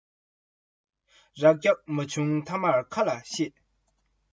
ངན པ བསྐྱངས ན བཟང པོ བརྡུངས པ འདྲ